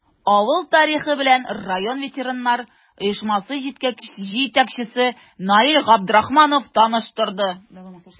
Авыл тарихы белән район ветераннар оешмасы җитәкчесе Наил Габдрахманов таныштырды.